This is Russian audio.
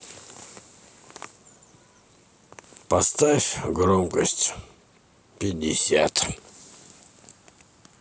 поставь громкость пятьдесят